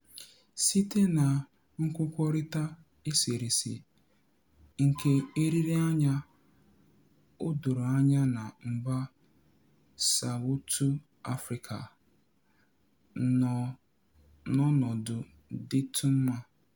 Site na nkwukorita esereese nke eriri anya, o doro anya na mba Sawụtụ Afrịka nọ n'ọnọdụ dịtụ mma.